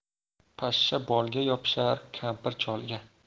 pashsha bolga yopishar kampir cholga